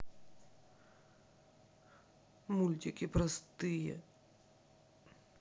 мультики простые